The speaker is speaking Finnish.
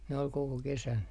ne oli koko kesän